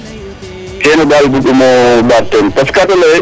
kene daal bug 'um ô ɓaat teen parce ka ta lay ee